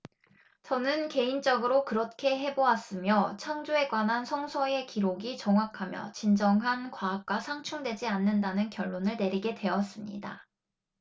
저는 개인적으로 그렇게 해 보았으며 창조에 관한 성서의 기록이 정확하며 진정한 과학과 상충되지 않는다는 결론을 내리게 되었습니다